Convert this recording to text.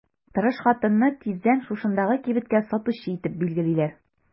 Тырыш хатынны тиздән шушындагы кибеткә сатучы итеп билгелиләр.